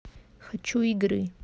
хочу игры